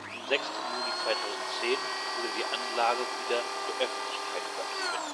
Am 6. Juni 2010 wurde die Anlage wieder der Öffentlichkeit übergeben